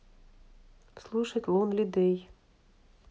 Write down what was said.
слушать лон ли дэй